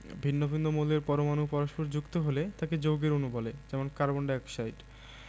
ভিন্ন ভিন্ন মৌলের পরমাণু পরস্পর যুক্ত হলে তাকে যৌগের অণু বলে যেমন কার্বন ডাই অক্সাইড